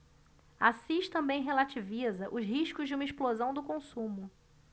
assis também relativiza os riscos de uma explosão do consumo